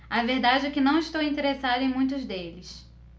a verdade é que não estou interessado em muitos deles